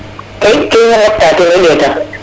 ke i nqota teen ten i ɗeetaa,